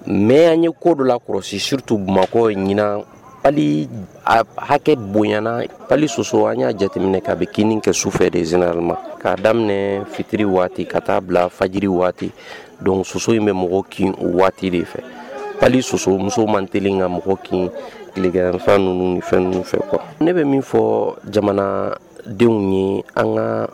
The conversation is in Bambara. Mɛ an ye ko dɔ la kɔlɔsisi surutu bamakɔ ɲin hali a hakɛ bonyayana pa soso an y'a jateminɛ kaa bɛ kinini kɛ su fɛ de zinare ma k kaa daminɛ fitiri waati ka taaa bila faji waati don soso in bɛ mɔgɔ kin waati de fɛ pa soso muso man t ka mɔgɔw kinfɛn ninnu fɛn ninnu fɛ kɔ ne bɛ min fɔ jamanadenw ye an ka